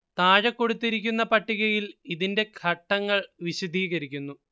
താഴെ കൊടുത്തിരിക്കുന്ന പട്ടികയിൽ ഇതിന്റെ ഘട്ടങ്ങൾ വിശദീകരിക്കുന്നു